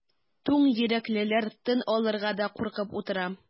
Туң йөрәклеләр тын алырга да куркып утыра.